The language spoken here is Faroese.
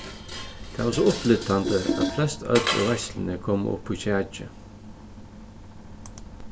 tað var so upplyftandi at flestøll í veitsluni komu upp í kjakið